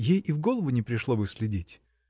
Ей и в голову не пришло бы следить.